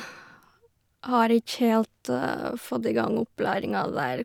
Har itj helt fått i gang opplæring av det der.